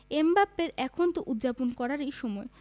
এমবাপ্পের এখন তো উদ্যাপন করারই সময়